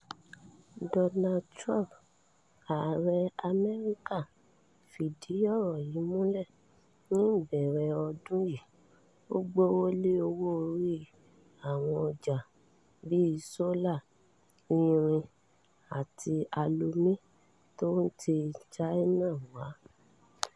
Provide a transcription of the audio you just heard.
Donald Trump, Ààrẹ Amẹ́ríkà, fìdí ọ̀rọ̀ yí múlẹ̀ ní ìbẹ̀rẹ̀ ọdún yìí. Ó gbówó lé owó-orí àwọn ọjà bíi sólà, irin àti alumí t’ọ́n ti China wàá.